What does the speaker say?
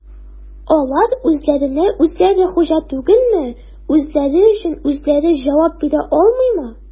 Алар үзләренә-үзләре хуҗа түгелме, үзләре өчен үзләре җавап бирә алмыймы?